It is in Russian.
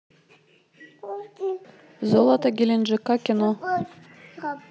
золото геленджика кино